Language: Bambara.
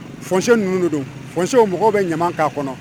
Fsi ninnu don fse o mɔgɔw bɛ ɲama'a kɔnɔ